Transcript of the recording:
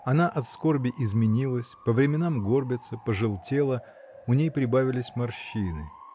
Она от скорби изменилась: по временам горбится, пожелтела, у ней прибавились морщины.